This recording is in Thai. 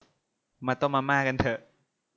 มาต้มมาม่ากันเถอะ